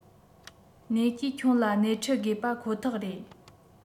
གནས ཀྱིས ཁྱོན ལ སྣེ ཁྲིད དགོས པ ཁོ ཐག རེད